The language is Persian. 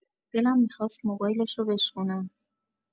دلم می‌خواست موبایلشو بشکونم.